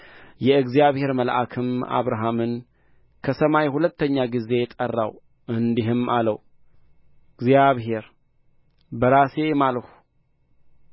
የእግዚአብሔር መልአክም አብርሃምን ከሰማይ ሁለተኛ ጊዜ ጠራው እንዲህም አለው እግዚአብሔር በራሴ ማልሁ